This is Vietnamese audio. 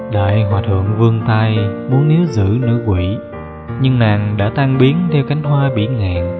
đại hòa thượng vươn tay muốn níu giữ nữ quỷ nhưng nàng đã tan biến theo cánh hoa bỉ ngạn